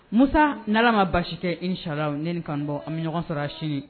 Musa n'Ala ma basi kɛ in sha Allah ne ni kanubagaw, an bɛ ɲɔgɔn sɔrɔ yan, sini.